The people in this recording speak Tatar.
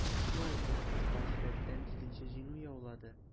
Шулай итеп, "Ак Барс" рәттән җиденче җиңү яулады.